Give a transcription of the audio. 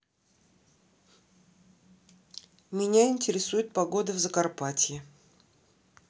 меня интересует погода в закарпатье